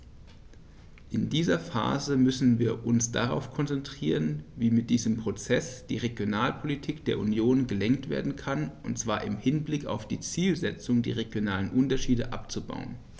In dieser Phase müssen wir uns darauf konzentrieren, wie mit diesem Prozess die Regionalpolitik der Union gelenkt werden kann, und zwar im Hinblick auf die Zielsetzung, die regionalen Unterschiede abzubauen.